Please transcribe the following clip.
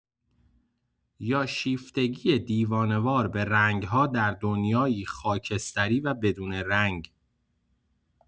یا شیفتگی دیوانه‌وار به رنگها در دنیایی خاکستری و بدون رنگ؟